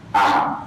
A